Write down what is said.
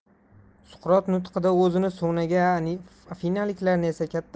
suqrot nutqida o'zini so'naga afinaliklarni esa katta